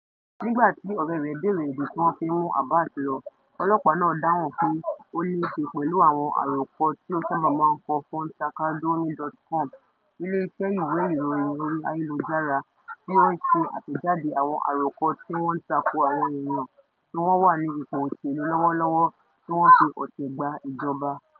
Nígbà tí ọ̀rẹ́ rẹ̀ bèèrè ìdí tí wọ́n fi ń mú Abbass lọ, ọlọ́pàá náà dáhùn pé ó níí ṣe pẹ̀lú àwọn àròkọ tí ó sábà máa ń kọ fún Taqadoumy.com, ilé-iṣẹ́ ìwé ìròyìn orí ayélujára tí ó ń ṣe àtẹ̀jáde àwọn àròkọ tí wọ́n ń tako àwọn èèyàn tí wọ́n wà ní ipò òṣèlú lọ́wọ́lọ́wọ́ tí wọ́n fi ọ̀tẹ̀ gba ìjọba.